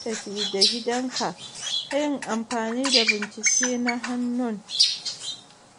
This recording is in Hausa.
tafi-da-gidanka ta yin amfani da bincike na hannun.